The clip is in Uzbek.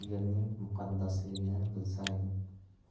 yerning muqaddasligini bilsaydim